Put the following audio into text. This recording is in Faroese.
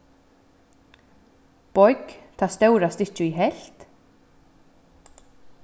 boygg tað stóra stykkið í helvt